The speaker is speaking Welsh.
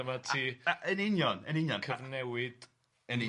...dyma ti a- a-... Yn union yn union. ...a- cyfnewid... Yn union.